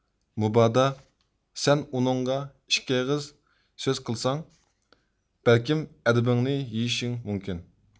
مۇبادا سەن ئۇنىڭغا ئىككى ئېغىز سۆز قىلساڭ بەلكىم ئەدىپىڭنى يېيىشىڭ مۇمكىن